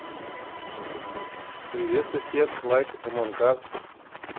привет сосед лайк амонг ас